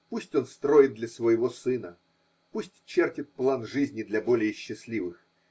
Пусть он строит для своего сына, пусть чертит план жизни для более счастливых.